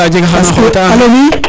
alo oui